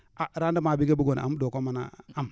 ah rendement bi nga bëggoon am doo ko mën a am